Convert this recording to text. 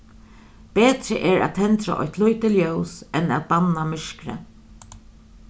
betri er at tendra eitt lítið ljós enn at banna myrkrið